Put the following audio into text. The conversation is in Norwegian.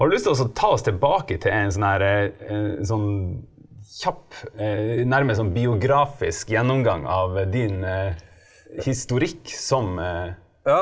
har du lyst til også ta oss tilbake til en sånn herre sånn kjapp nærmest sånn biografisk gjennomgang av din historikk som ?